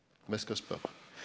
me skal spørje.